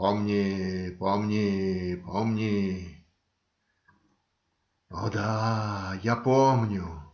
"Помни, помни, помни. "- О да, я помню.